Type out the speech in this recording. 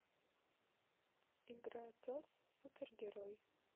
игра пес супергерой